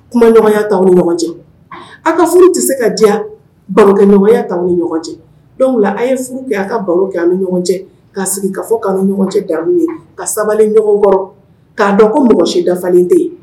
Kuma ɲɔgɔnya' ni ɲɔgɔn cɛ a ka furu tɛ se ka diya barokɛ ɲɔgɔnya ni ɲɔgɔn cɛ donwula an ye furu kɛ a ka baro kɛ ani ɲɔgɔn cɛ'a sigi ka fɔ ɲɔgɔn cɛ da ye ka sabali ɲɔgɔn k'a dɔn ko mɔgɔ si dafalen tɛ yen